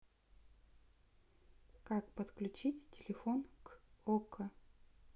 как подключить телефон к окко